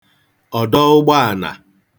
ọ̀dọụgbọànà